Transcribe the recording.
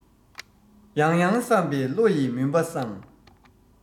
ཡང ཡང བསམ པས བློ ཡི མུན པ སངས